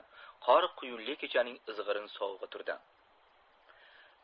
qor quyunli kechaning izg'irin sovug'i turdi